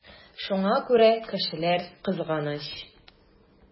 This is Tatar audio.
Шуңа күрә кешеләр кызганыч.